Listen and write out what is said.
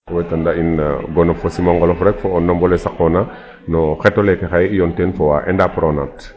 wetand a in gonof fo simanqolof rek fo o ndombo le saqoona rek no xot oleeke xaye yoon ten fo wa ENDA PRONAT